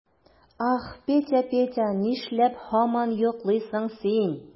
Ах, Петя, Петя, нишләп һаман йоклыйсың син?